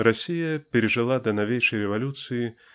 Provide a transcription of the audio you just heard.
Россия пережила до новейшей революции